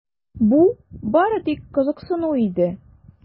Бу бары тик кызыксыну иде.